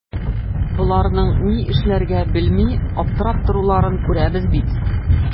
Боларның ни эшләргә белми аптырап торуларын күрәбез бит.